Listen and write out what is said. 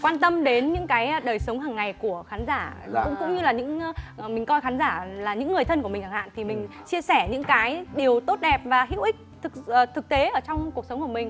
quan tâm đến những cái đời sống hằng ngày của khán giả cũng cũng như là những mình coi khán giả là những người thân của mình chẳng hạn thì mình chia sẻ những cái điều tốt đẹp và hữu ích thực thực tế ở trong cuộc sống của mình